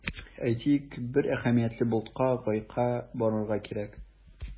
Әйтик, бер әһәмиятле болтка гайка борырга кирәк.